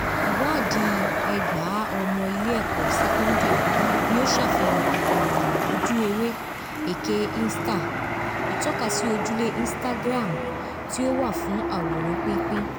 Iwaadi 20,000 ọmọ ile ẹkọ sẹkọndiri ni o ṣafihan igbooro oju ewe ‘’eke insta’’ – itọkasi ojule Instagram ti o wa fun aworan pinpin.